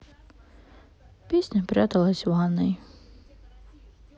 песня пряталась в ванной